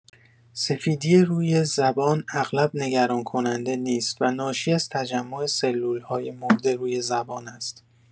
سفیدی روی زبان اغلب نگران‌کننده نیست و ناشی از تجمع سلول‌های مرده روی زبان است.